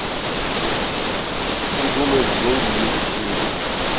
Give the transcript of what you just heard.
ты думаешь деньги есть деньги